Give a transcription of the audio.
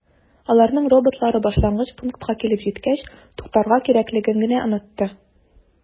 Аларның роботлары башлангыч пунктка килеп җиткәч туктарга кирәклеген генә “онытты”.